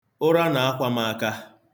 Ụra na-akwa m aka.